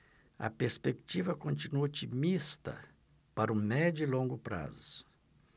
a perspectiva continua otimista para o médio e longo prazos